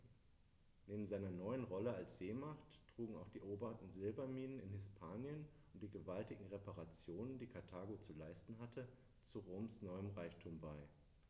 Neben seiner neuen Rolle als Seemacht trugen auch die eroberten Silberminen in Hispanien und die gewaltigen Reparationen, die Karthago zu leisten hatte, zu Roms neuem Reichtum bei.